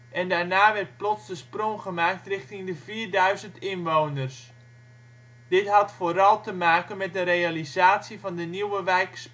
daarna werd plots de sprong gemaakt richting de 4.000 inwoners. Dit had vooral te maken met de realisatie van de nieuwe wijk